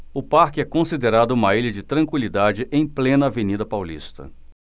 o parque é considerado uma ilha de tranquilidade em plena avenida paulista